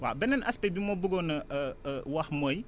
waa beneen aspect bi ma bëggoon a wax mooy